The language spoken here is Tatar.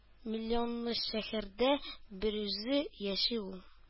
Миллионлы шәһәрдә берүзе яши ул.